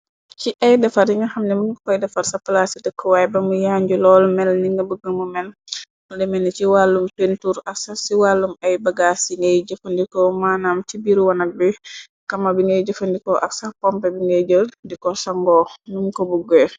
Ci ay defar yi nga xam ni mënga koy defar sa palaas ci dëkkwaay bamu yanju lool mel ni nga bëggamu mel mu leme ni ci wàllum pintour ak ax ci wàllum ay bagaas yi ngay jëfandikoo maanaam ci biiru wanak bi kama bi ngay jëfandikoo ak sax pompe bi ngay jër diko shango nuñ ko bu geer.